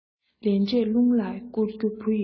ལས འབྲས རླུང ལ བསྐུར རྒྱུ བུ ཡི དོན